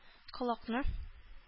Колакны